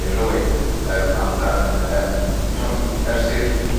i rywun amdan yym pam ers i'r